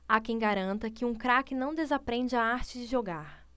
há quem garanta que um craque não desaprende a arte de jogar